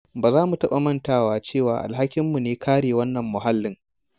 Ba za mu taɓa mantawa cewa alhakinmu ne kare wannan muhallin.